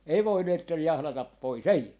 ei voineet jahdata pois ei